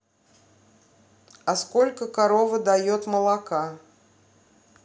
а сколько корова дает молока